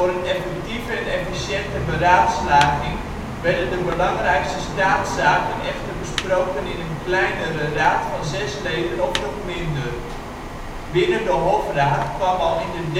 een effectieve en efficiënte beraadslaging werden de belangrijkste staatszaken echter besproken in een kleinere raad van 6 leden of nog minder. Binnen de hofraad kwam al in de